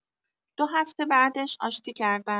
دو هفته بعدش آشتی کردن!